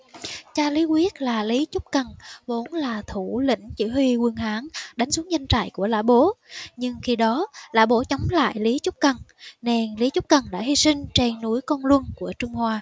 cha lý quyết là lý chúc cần vốn là thủ lĩnh chỉ huy quân hán đánh xuống doanh trại của lã bố nhưng khi đó lã bố chống lại lý chúc cần nên lý chúc cần đã hy sinh trên núi côn luân của trung hoa